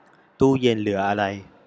ตู้เย็นเหลืออะไร